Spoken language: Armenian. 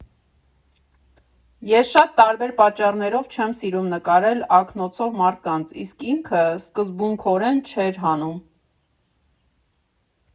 Ես շատ տարբեր պատճառներով չեմ սիրում նկարել ակնոցով մարդկանց, իսկ ինքը սկզբունքորեն չէր հանում։